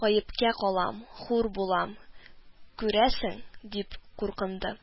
– гаепкә калам, хур булам, күрәсең, – дип куркынды